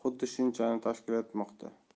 ham xuddi shunchani tashkil etmoqda